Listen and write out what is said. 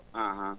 ahan